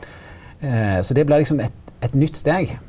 så det blei liksom eit eit nytt steg.